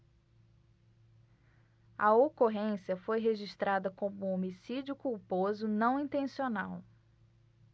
a ocorrência foi registrada como homicídio culposo não intencional